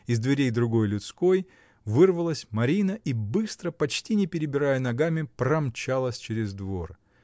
Из дверей другой людской вырвалась Марина и быстро, почти не перебирая ногами, промчалась через двор.